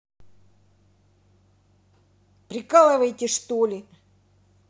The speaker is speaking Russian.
прикалываете что ли